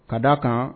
Ka d' a kan